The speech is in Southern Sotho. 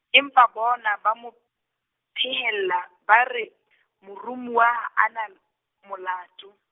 empa bona ba mo, phehella ba re, moromuwa a na, molato.